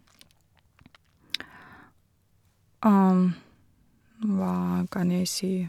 Hva kan jeg si?